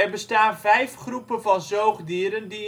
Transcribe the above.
bestaan vijf groepen van zoogdieren die